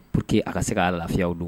Pur que a ka se ka'a lafiyaw don